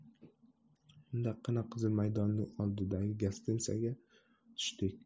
shundoqqina qizil maydonning oldidagi gastinisaga tushdik